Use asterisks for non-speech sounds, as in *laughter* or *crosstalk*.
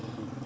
*hesitation* *hesitation*